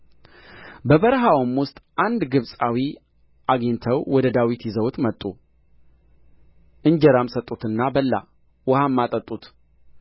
በበረሀውም ውስጥ አንድ ግብጻዊ አግኝተው ወደ ዳዊት ይዘውት መጡ እንጀራም ሰጡትና በላ ውኃም አጠጡት